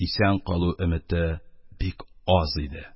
Исән калу өмете бик аз иде.